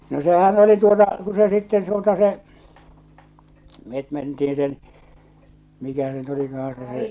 no sehän oli tuota kun se sitten tuota se me mentiin sen mikä se nyt olikaan se se